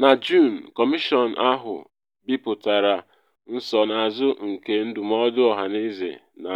Na Juun, Kọmịshọn ahụ bipụtara nsonaazụ nke ndụmọdụ ọhaneze na